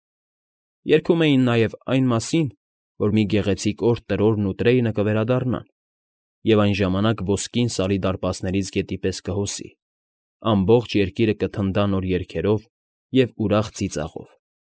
Երգում էին նաև այն մասին, որ մի գեղեցիկ օր Տրորն ու Տրեյնը կվերադառնան, և այն ժամանակ ոսկին Սարի դարպասներից գետի պես կհոսի, ամբողջ երկիրը կթնդա նոր երգերով և ուրախ ծիծաղով։